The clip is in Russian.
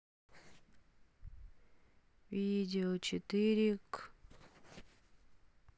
видео четыре к